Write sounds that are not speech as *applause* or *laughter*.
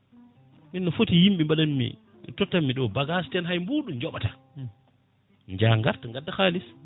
min footi yimɓe mbaɗanmi tottanmi ɗo bagages teede hay ɓuuɗu joɓata *smacks lips* ja garta gadda haliss